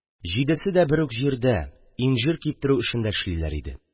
Җидесе дә бер үк җирдә – инҗир киптерү эшендә эшлиләр иде.